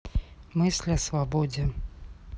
мысли о свободе